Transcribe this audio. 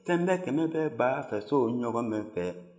fɛn bɛɛ kɛmɛ bɛ baa fɛ so o ɲɔgɔn bɛ n fɛ